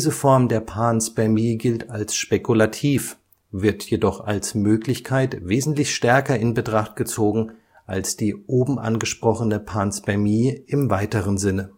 Form der Panspermie gilt als spekulativ, wird jedoch als Möglichkeit wesentlich stärker in Betracht gezogen als die oben angesprochene Panspermie im weiteren Sinne